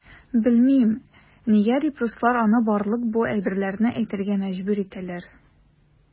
Белмим, нигә дип руслар аны барлык бу әйберләрне әйтергә мәҗбүр итәләр.